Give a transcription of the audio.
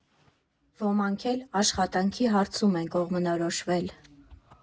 Ոմանք էլ աշխատանքի հարցում են կողմնորոշվել.